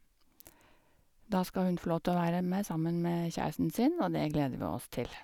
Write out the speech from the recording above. Da skal hun få lov til å være med, sammen med kjæresten sin, og det gleder vi oss til.